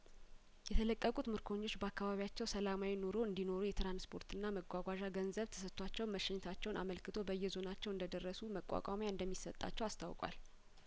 የተለቀቁት ምርኮኞች በአካባቢያቸው ሰላማዊ ኑሮ እንዲ ኖሩ የትራንስፖርትና መጓጓዣ ገንዘብ ተሰጥቷቸው መሸኘታቸውን አመልክቶ በየዞ ናቸው እንደደረሱ መቋቋሚያ እንደሚሰጣቸው አስታውቋል